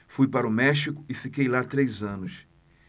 fui para o méxico e fiquei lá três anos